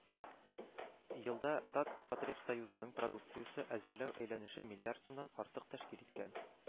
Елда «татпотребсоюз»ның продукция әзерләү әйләнеше миллиард сумнан артык тәшкил иткән